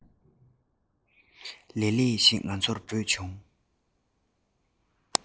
ལི ལི ཞེས ང ཚོར བོས བྱུང